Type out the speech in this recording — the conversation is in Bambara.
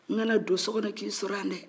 n kana don sokɔnɔ k'i sɔrɔ yan dɛ